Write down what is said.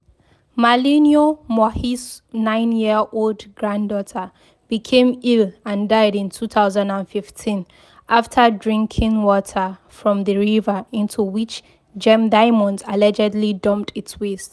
Malineo Moahi’s nine-year-old granddaughter became ill and died in 2015 after drinking water from the river into which Gem Diamonds allegedly dumped its waste.